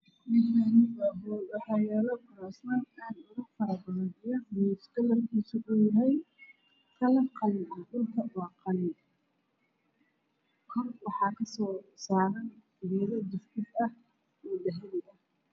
Meshani waa hool waxayalo kursman aad ufarabadan mis kalarkis oow yahay kalra qalin dhulka waa qalin kor waxasaran geedo dufduf ah oo dahbi ah